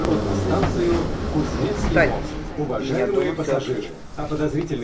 кстати у меня дома все отлично